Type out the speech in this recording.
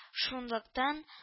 Шунлыктан